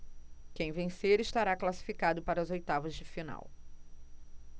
quem vencer estará classificado para as oitavas de final